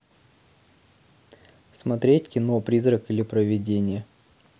смотреть кино призрак или провидение